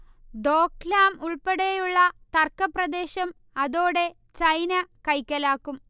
ദോഘ്ലാം ഉൾപ്പെടെയുള്ള തർക്കപ്രദേശം അതോടെ ചൈന കൈക്കലാക്കും